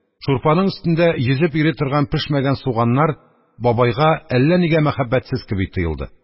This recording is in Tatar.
Шурпаның өстендә йөзеп йөри торган пешмәгән суганнар бабайга әллә нигә мәхәббәтсез кеби тоелды.